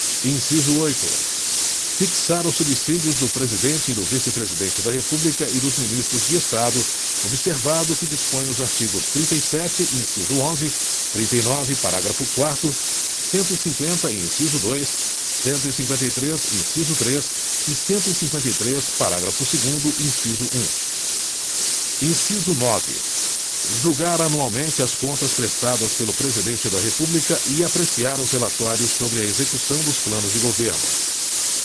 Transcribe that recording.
inciso oito fixar os subsídios do presidente e do vice presidente da república e dos ministros de estado observado o que dispõem os artigos trinta e sete inciso onze trinta e nove parágrafo quarto cento e cinquenta inciso dois cento e cinquenta e três inciso três e cento e cinquenta e três parágrafo segundo inciso um inciso nove julgar anualmente as contas prestadas pelo presidente da república e apreciar os relatórios sobre a execução dos planos de governo